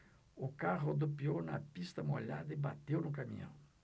o carro rodopiou na pista molhada e bateu no caminhão